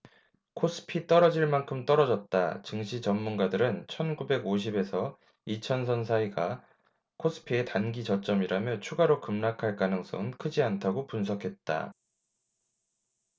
코스피 떨어질 만큼 떨어졌다증시 전문가들은 천 구백 오십 에서 이천 선 사이가 코스피의 단기 저점이라며 추가로 급락할 가능성은 크지 않다고 분석했다